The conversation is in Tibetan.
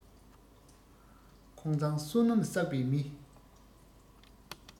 ཁོང མཛངས བསོད ནམས བསགས པའི མི